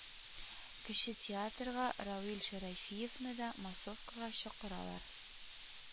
Кече театрга Равил Шәрәфиевне дә массовкага чакыралар